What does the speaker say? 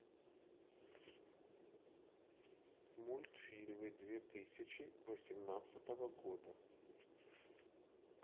мультфильмы две тысячи восемнадцатого года